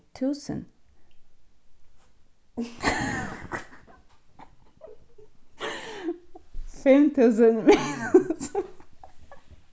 túsund